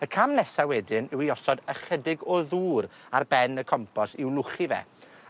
Y cam nesa wedyn yw i osod ychydig o ddŵr ar ben y compos i'w lwchi fe.